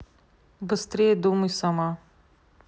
быстрее думай сама